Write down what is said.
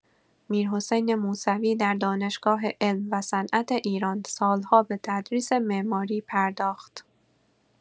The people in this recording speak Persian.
میرحسین موسوی در دانشگاه علم و صنعت ایران سال‌ها به تدریس معماری پرداخت.